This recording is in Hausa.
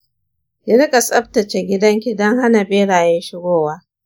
ki rika tsaftace gidanki don hana beraye shigowa.